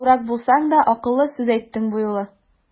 Дурак булсаң да, акыллы сүз әйттең бу юлы!